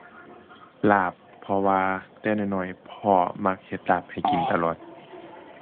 ลาบ เพราะว่าแต่น้อยน้อยพ่อมักเฮ็ดลาบให้กินตลอด